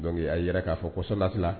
Don a yɛrɛ k'a fɔ kɔsɔ lati